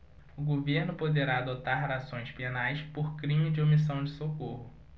o governo poderá adotar ações penais por crime de omissão de socorro